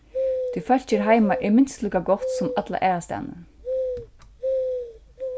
tí fólkið her heima er minst líka gott sum alla aðrastaðni